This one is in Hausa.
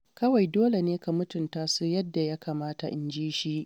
Kawai dole ne ka mutunta su yadda ya kamata,” inji shi.